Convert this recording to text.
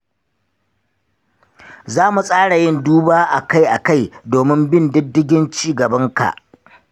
za mu tsara yin duba a kai a kai domin bin diddigin ci gaban ka.